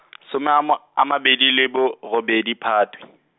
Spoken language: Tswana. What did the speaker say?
soma a ma-, a mabedi le borobedi Phatwe.